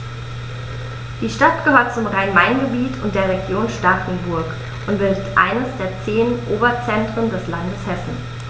Die Stadt gehört zum Rhein-Main-Gebiet und der Region Starkenburg und bildet eines der zehn Oberzentren des Landes Hessen.